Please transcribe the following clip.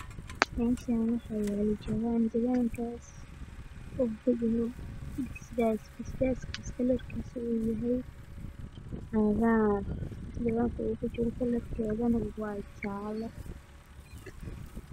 Meeshaan waxaa yalo jawaan jawan kaas oo kujiro Bas baas basbaaskaas kalarkisu yahay cagaar jawanka uu kujiro kalarkiisuna waa jaalo